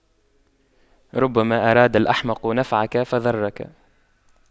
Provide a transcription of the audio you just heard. ربما أراد الأحمق نفعك فضرك